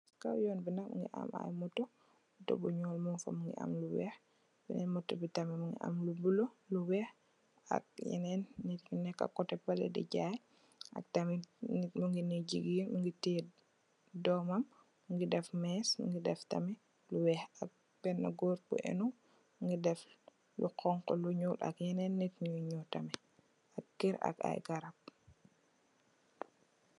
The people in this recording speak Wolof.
Cii kaw yon bii nak mungy am aiiy motor, motor bu njull mung fa mungy am lu wekh, benen motor bii tamit mungy am lu bleu, lu wekh, ak njenen nitt nju neka coteh behleh dii jaii, ak tamit nitt mungy nii gigain mungy tiyeh dormam, mungy deff meeche, mungy deff tamit lu wekh ak benah gorre bu ehndu mungy deff lu honhu, lu njull ak yenen nitt njui njow tamit ak kerr ak aiiy garab.